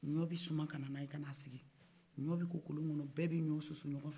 ɲɔn bɛ suman kana n'aye ka sigi ɲɔn kɛ kolon kɔnɔ bɛ be ɲɔn susu ɲɔngɔn fɛ